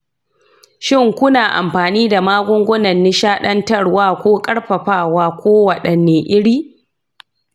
shin ku na amfani da magungunan nishaɗantarwa ko ƙarfafawa kowaɗanne iri?